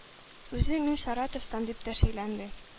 Үзе: “Мин Саратовтан”, – дип тә сөйләнде.